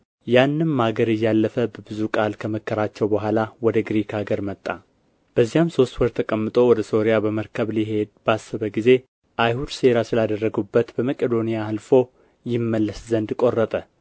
ያንም አገር እያለፈ በብዙ ቃል ከመከራቸው በኋላ ወደ ግሪክ አገር መጣ በዚያም ሦስት ወር ተቀምጦ ወደ ሶርያ በመርከብ ሊሄድ ባሰበ ጊዜ አይሁድ ሴራ ስላደረጉበት በመቄዶንያ አልፎ ይመለስ ዘንድ ቆረጠ